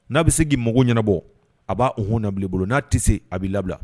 N'a bɛ se k'i mɔgɔw ɲɛnabɔ a b'aan hb bolo n'a tɛ se a bɛ labila